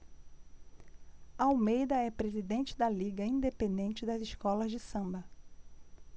almeida é presidente da liga independente das escolas de samba